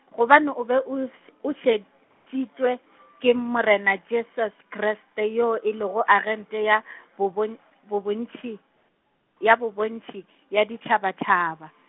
gobane o be o s- se, o šetšitšwe , ke morena Jesus Kriste yo e lego a agente ya , bo bon-, bo bontši, ya bo bontši, ya ditšhabatšhaba.